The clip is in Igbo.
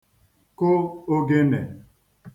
kụ ōgēnè